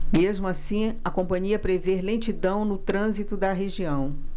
mesmo assim a companhia prevê lentidão no trânsito na região